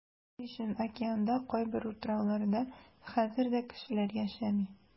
Ни өчен океанда кайбер утрауларда хәзер дә кешеләр яшәми?